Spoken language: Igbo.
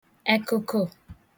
ekụkụ